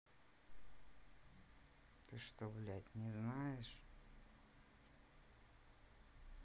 ты что блядь не знаешь